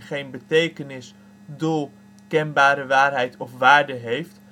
doel, kenbare waarheid of waarde heeft